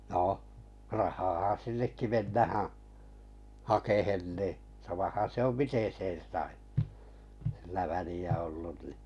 no rahaahan sinnekin mennään hakemaan niin samahan se on miten sen sai sillä väliä ollut niin